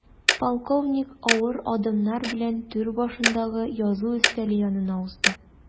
Полковник авыр адымнар белән түр башындагы язу өстәле янына узды.